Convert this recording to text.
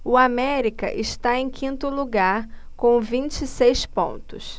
o américa está em quinto lugar com vinte e seis pontos